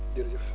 jërëjëf